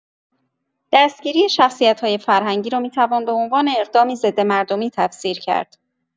دستگیری شخصیت‌های فرهنگی را می‌توان به‌عنوان اقدامی ضدمردمی تفسیر کرد.